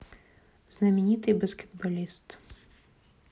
знаменитый баскетболист